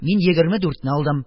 Мин егерме дүртне алдым.